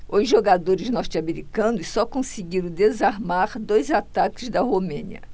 os jogadores norte-americanos só conseguiram desarmar dois ataques da romênia